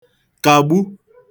kàgbu